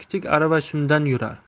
kichik arava shundan yurar